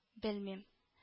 Белмим…